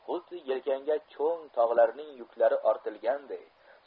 xuddi yelkangga cho'ng tog'larning yuklari ortilganday